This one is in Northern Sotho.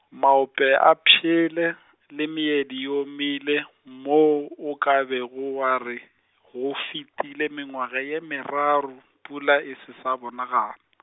maope a pšhele, le meedi e omile, moo o ka be go wa re, go fetile mengwaga ye meraro, pula e se sa bonagala .